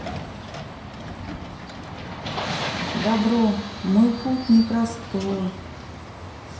dabro мой путь непростой